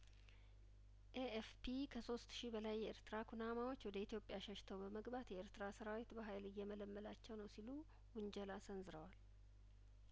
ኤኤፍፒ ከሶስት ሺ በላይ የኤርትራ ኩናማዎች ወደ ኢትዮጵያ ሸሽተው በመግባት የኤርትራ ሰራዊት በሀይል እየመለመላቸው ነው ሲሉ ውንጀላ ሰንዝረዋል